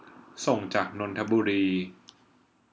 ส่งจากนนทบุรี